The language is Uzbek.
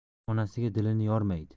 onasiga dilini yormaydi